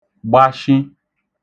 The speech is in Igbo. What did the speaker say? gbashi